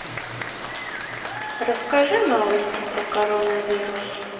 расскажи новости про коронавирус